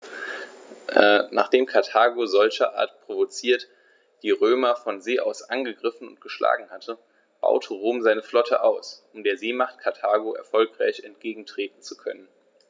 Nachdem Karthago, solcherart provoziert, die Römer von See aus angegriffen und geschlagen hatte, baute Rom seine Flotte aus, um der Seemacht Karthago erfolgreich entgegentreten zu können.